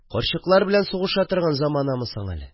Карчыклар белән сугыша торган заманамы соң әле